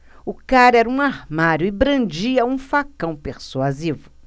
o cara era um armário e brandia um facão persuasivo